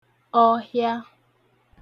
ọhịa